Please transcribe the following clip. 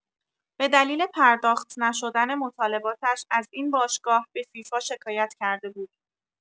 به دلیل پرداخت نشدن مطالباتش از این باشگاه به فیفا شکایت کرده بود.